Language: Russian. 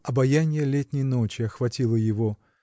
Обаянье летней ночи охватило его